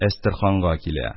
Әстерханга килә.